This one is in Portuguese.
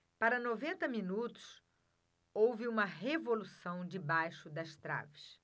para noventa minutos houve uma revolução debaixo das traves